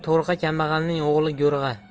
to'rga kambag'alning o'g'li go'rga